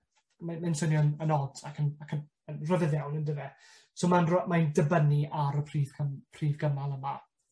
mae mae'n swnio'n yn od ac yn ac yn yn ryfedd iawn on'd yfe? So ma'n ro- mae'n dibynnu ar y prif cym- prif gymal yma.